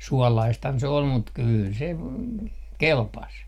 suolaistahan se oli mutta kyllä se kelpasi